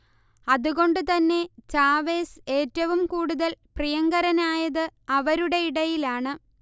അതുകൊണ്ടുതന്നെ ചാവേസ് ഏറ്റവും കൂടുതൽ പ്രിയങ്കരനായത് അവരുടെ ഇടയിലാണ്